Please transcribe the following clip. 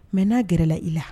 Mɛ n'a gɛrɛ la i la